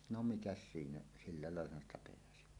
no mikäs siinä sillä laillahan sitä pääsi